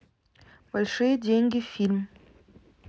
большие деньги фильм